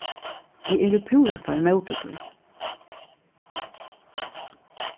eg eri púrasta ímóti tí